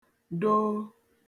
doo